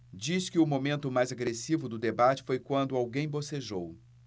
diz que o momento mais agressivo do debate foi quando alguém bocejou